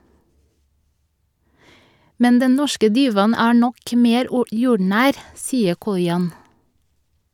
Men den norske divaen er nok mer jordnær , sier Kojan.